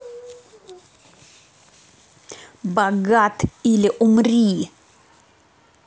богат или умри